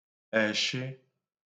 ẹ̀shị